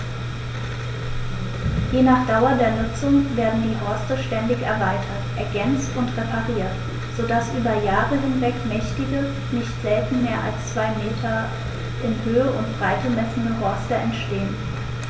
Je nach Dauer der Nutzung werden die Horste ständig erweitert, ergänzt und repariert, so dass über Jahre hinweg mächtige, nicht selten mehr als zwei Meter in Höhe und Breite messende Horste entstehen.